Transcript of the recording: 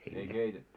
ei keitetty